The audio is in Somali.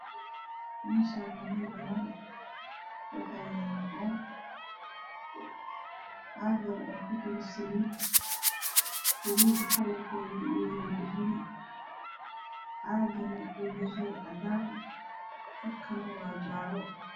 Mashan waa mel banan ah wax yalo cag wax kojiro saliid kalarked yahay dahabi